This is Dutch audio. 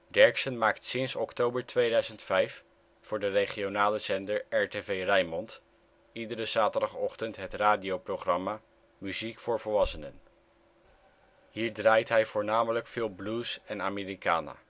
Derksen maakt sinds oktober 2005 voor de regionale zender RTV Rijnmond iedere zaterdagochtend het radioprogramma Muziek voor Volwassenen. Hier draait hij voornamelijk veel blues en americana